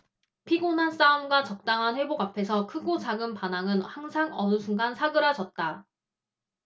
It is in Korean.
피곤한 싸움과 적당한 회복 앞에서 크고 작은 반항은 항상 어느 순간 사그라졌다